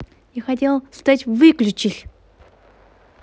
я хотел стать выключись